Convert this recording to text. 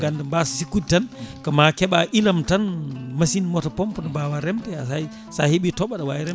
ganda mbaasa sikkude tanko ma keeɓa ilam tan machine moto pompe a ne mbawa remde hay sa heeɓi tooɓo aɗa wawi remde